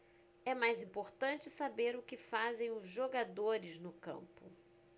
é mais importante saber o que fazem os jogadores no campo